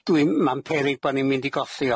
dwi'n- ma'n peryg bo' ni'n mynd i golli o.